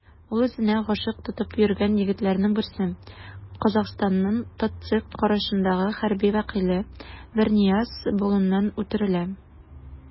Ул үзенә гашыйк тотып йөргән егетләрнең берсе - Казахстанның ТатЦИК каршындагы хәрби вәкиле Бернияз кулыннан үтерелә.